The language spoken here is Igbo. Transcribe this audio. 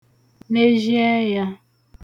nezhi ẹyā